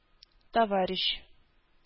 Товарищ